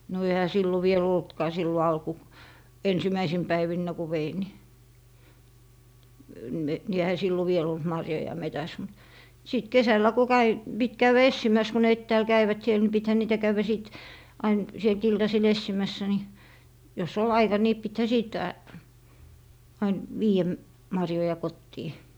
no eihän silloin vielä ollutkaan silloin - ensimmäisinä päivinä kun vein niin niin eihän silloin vielä ollut marjoja metsässä mutta sitten kesällä kun kävi piti käydä etsimässä kun ne etäällä kävivät siellä niin pitihän niitä käydä sitten aina sieltä iltasilla etsimässä niin jos oli aika niin pitihän sitten aina viedä marjoja kotiin